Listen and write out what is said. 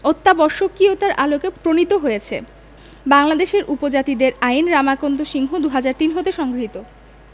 অত্যাবশ্যকীয়তার আলোকে প্রণীত হয়েছে বাংলাদেশের উপজাতিদের আইন রামকান্ত সিংহ ২০০৩ হতে সংগৃহীত